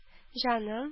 Җаным